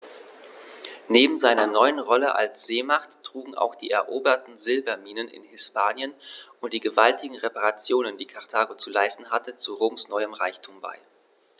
Neben seiner neuen Rolle als Seemacht trugen auch die eroberten Silberminen in Hispanien und die gewaltigen Reparationen, die Karthago zu leisten hatte, zu Roms neuem Reichtum bei.